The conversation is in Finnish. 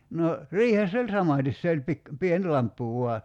no riihessä oli samaten se oli - pieni lamppu vain